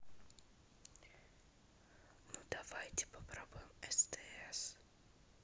ну давайте попробуем стс